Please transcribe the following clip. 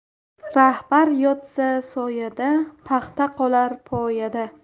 rahbar yotsa soyada paxta qolar poyada